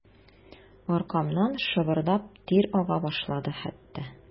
Аркамнан шабырдап тир ага башлады хәтта.